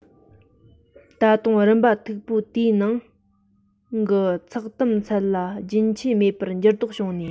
ད དུང རིམ པ མཐུག པོ དེའི ནང གི ཚགས དམ ཚད ལ རྒྱུན ཆད མེད པར འགྱུར ལྡོག བྱུང ནས